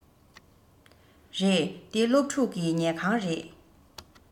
རེད འདི སློབ ཕྲུག གི ཉལ ཁང རེད